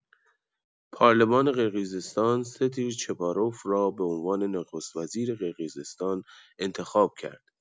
پارلمان قرقیزستان، سدیر چپاروف را به عنوان نخست‌وزیر قرقیزستان انتخاب کرد.